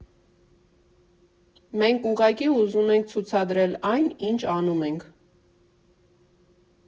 Մենք ուղղակի ուզում ենք ցուցադրել այն, ինչ անում ենք.